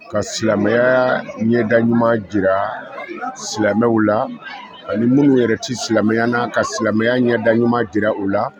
Ka silamɛyaya ɲɛda ɲuman jira silamɛw la ani minnu yɛrɛ tɛ silamɛya na ka silamɛya ɲɛda ɲuman jira u la